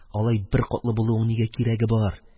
Алай беркатлы булуның нигә кирәге бар?